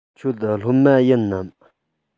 ཁྱོད སློབ མ ཡིན ནམ